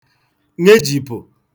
ṅejìpụ̀